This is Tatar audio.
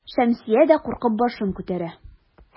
Шәмсия дә куркып башын күтәрә.